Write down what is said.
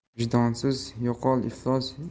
vijdonsiz yo'qol iflos